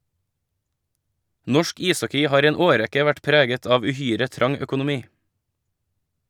Norsk ishockey har i en årrekke vært preget av uhyre trang økonomi.